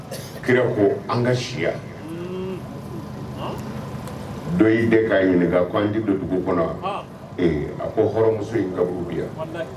Kira ko an ka si yan. Dɔ y'i den k'a ɲininka ko an tɛ don dugu kɔnɔ wa? a ko, ee , hɔrɔnmuso in kaburu bi yan.